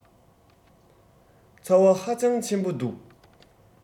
ཚ བ ཧ ཅང ཆེན པོ འདུག